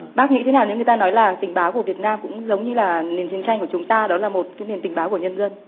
bác nghĩ thế nào nếu người ta nói là tình báo của việt nam cũng giống như là nền chiến tranh của chúng ta đó là một cái nền tình báo của nhân dân